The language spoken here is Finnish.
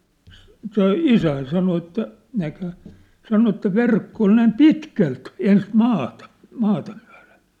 - se isäni sanoi että näkihän sanoi että verkko oli näin pitkälti ensin maata maata myöten